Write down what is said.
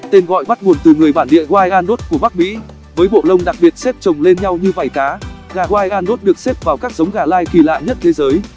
tên gọi bắt nguồn từ người bản địa wyandot của bắc mỹ với bộ lông đặc biệt xếp chồng lên nhau như vảy cá gà wyandotte được xếp vào các giống gà lai kỳ lạ nhất thế giới